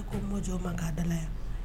I ko mɔ jɔ man' dala yan